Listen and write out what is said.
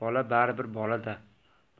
bola bari bir bola da